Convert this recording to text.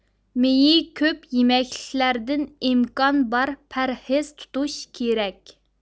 مېيى كۆپ يېمەكلىكلەردىن ئىمكان بار پەرھىز تۇتۇش كېرەك